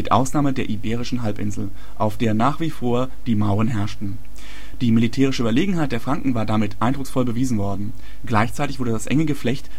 Ausnahme der iberischen Halbinsel, auf der nach wie vor die Mauren herrschten). Die militärische Überlegenheit der Franken war damit eindrucksvoll bewiesen worden. Gleichzeitig wurde das Enge Geflecht